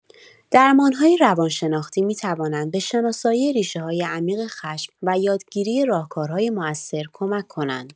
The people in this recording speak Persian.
درمان‌های روان‌شناختی می‌توانند به شناسایی ریشه‌های عمیق خشم و یادگیری راهکارهای مؤثر کمک کنند.